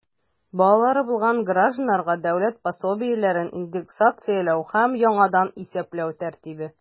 Балалары булган гражданнарга дәүләт пособиеләрен индексацияләү һәм яңадан исәпләү тәртибе.